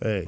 eyyi